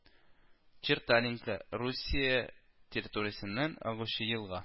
Черталинка Русия территориясеннән агучы елга